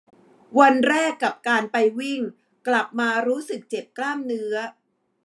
วันแรกกับการไปวิ่งกลับมารู้สึกเจ็บกล้ามเนื้อ